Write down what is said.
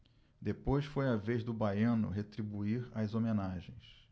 depois foi a vez do baiano retribuir as homenagens